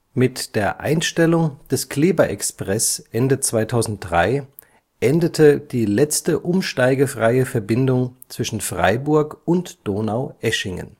Mit der Einstellung des Kleber-Express Ende 2003 endete die letzte umsteigefreie Verbindung zwischen Freiburg und Donaueschingen